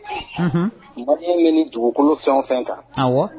Maria bɛ dugukolo fɛn fɛn kan